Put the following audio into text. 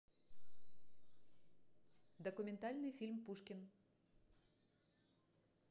документальный фильм пушкин